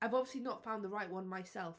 I've obviously not found the right one myself.